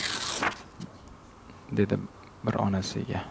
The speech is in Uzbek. dedi bir onasiga